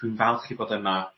Dwi'n falch i bod yma